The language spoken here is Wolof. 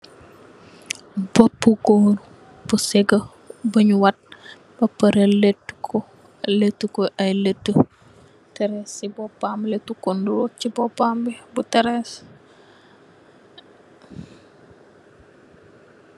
Mbopu goor bu sega bung waat bapare laytu ku laytu ko ay layti terese si mbopam bi laytu konduro si mbopam bi bu terese.